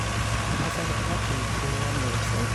Altså helt naturtro omgivelser.